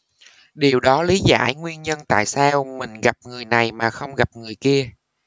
điều đó lý giải nguyên nhân tại sao mình gặp người này mà không gặp người kia